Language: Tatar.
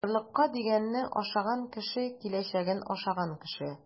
Орлыкка дигәнне ашаган кеше - киләчәген ашаган кеше.